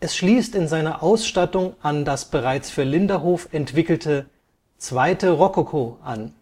schließt in seiner Ausstattung an das bereits für Linderhof entwickelte zweite Rokoko an